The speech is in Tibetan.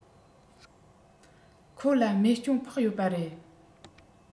ཁོ ལ རྨས སྐྱོན ཕོག ཡོད པ རེད